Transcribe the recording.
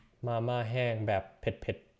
มาม่าแห้งแบบเผ็ดเผ็ด